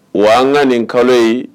Wa an ka nin kalo ye